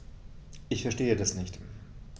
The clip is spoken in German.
Ich verstehe das nicht.